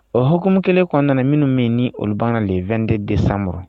O hkm kelen kɔnɔna minnu min ni olubana le2de de san